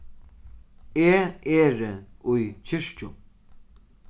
eg eri í kirkju